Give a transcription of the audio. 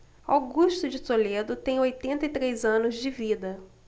augusto de toledo tem oitenta e três anos de vida